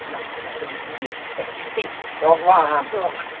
Na- Wnaethon ni gyd ecseitio'n lân.!... Do.